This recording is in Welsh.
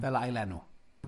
Fel ail enw.